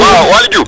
waly Diouf